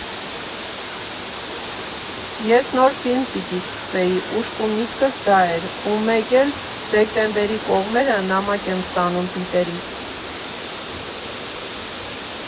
Ես նոր ֆիլմ պիտի սկսեի՝ ուշք ու միտքս դա էր, ու մեկ էլ դեկտեմբերի կողմերը նամակ եմ ստանում Պիտերից.